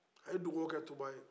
a ye dugaw kɛ tuba ye